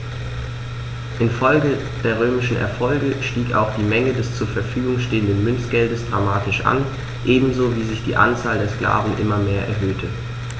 Infolge der römischen Erfolge stieg auch die Menge des zur Verfügung stehenden Münzgeldes dramatisch an, ebenso wie sich die Anzahl der Sklaven immer mehr erhöhte.